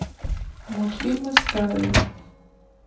мультфильмы старые